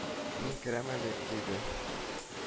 Мин керәм әле,— диде